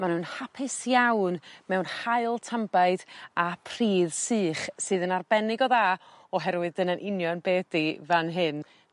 Ma' nw'n hapus iawn mewn haul tanbaid a pridd sych sydd yn arbennig o dda oherwydd dyna'n union be' ydi fan hyn.